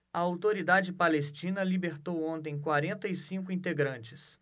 a autoridade palestina libertou ontem quarenta e cinco integrantes